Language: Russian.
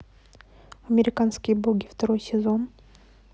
американские боги второй сезон